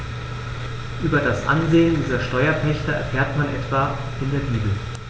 Über das Ansehen dieser Steuerpächter erfährt man etwa in der Bibel.